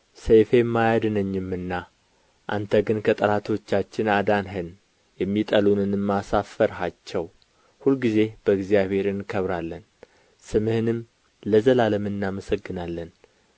ሰይፌም አያድነኝምና አንተ ግን ከጠላቶቻችን አዳንኸን የሚጠሉንንም አሳፈርሃቸው ሁልጊዜ በእግዚአብሔር እንከብራለን ስምህንም ለዘላለም እናመሰግናለን